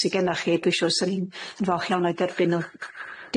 sy genna chi dwi shŵr 'swn i'n yn falch iawn o'u derbyn nhw.